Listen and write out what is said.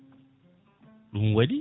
ɗum waɗi